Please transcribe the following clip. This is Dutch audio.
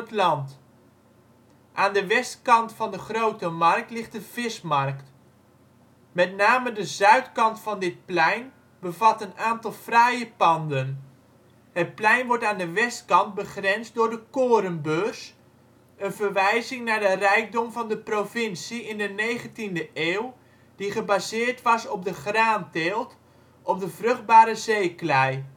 land. Aan de westkant van de Grote Markt ligt de Vismarkt. Met name de zuidkant van dit plein bevat een aantal fraaie panden. Het plein wordt aan de westkant begrensd door de Korenbeurs, een verwijzing naar de rijkdom van de provincie in de 19e eeuw die gebaseerd was op de graanteelt op de vruchtbare zeeklei